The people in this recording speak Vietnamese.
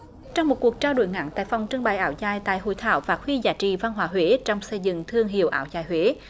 trong một cuộc trao đổi ngắng tại phòng trưng bày áo dài tại hội thảo phát huy giá trị văn hóa huế trong xây dựng thương hiệu áo dài huế